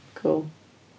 Cwl.